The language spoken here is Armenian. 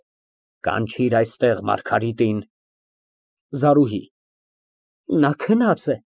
Կանչիր այստեղ Մարգարիտին։ ԶԱՐՈՒՀԻ ֊ Նա քնած է։